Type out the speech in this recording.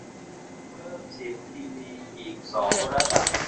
เพิ่มเสียงทีวีอีกสองระดับ